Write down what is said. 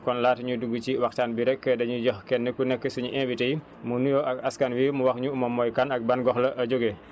kon laata ñuy dugg ci waxtaan bi rek dañuy jox kenn ku nekk suñu invité yi mu nuyoo ak askan wi mu wax ñu moom mooy kan ak ban gox la jógee